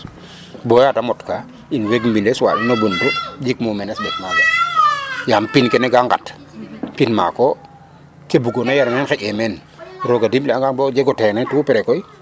boya te mot ka in weg mbines waaɗ ma o buntu jik mumenes ɓek maga yam pin kene ga ŋat pin mako ke bugona yar meen xeƴe meen roga dimle a ngaam koy bo jego terrain tout près